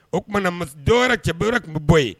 O tumaumana na masa dɔw cɛ yɔrɔ tun bɛ bɔ yen